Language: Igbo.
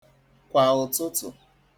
kwà ùtụtu